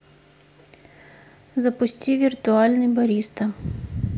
запусти виртуальный бариста